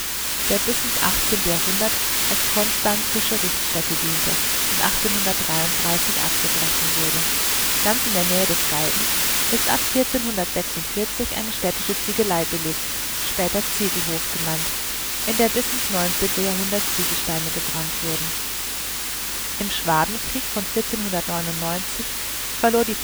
1833 abgebrochen wurde. Ganz in der Nähe des Galgens ist ab 1446 eine städtische Ziegelei belegt, später « Ziegelhof » genannt, in der bis ins 19. Jahrhundert Ziegelsteine gebrannt wurden. Im Schwabenkrieg 1499 verlor die